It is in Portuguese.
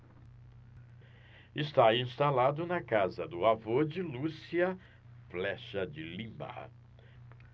está instalado na casa do avô de lúcia flexa de lima